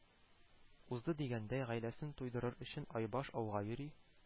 Узды дигәндәй, гаиләсен туйдырыр өчен айбаш ауга йөри